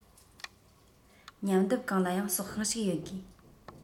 མཉམ སྡེབ གང ལ ཡང སྲོག ཤིང ཞིག ཡོད དགོས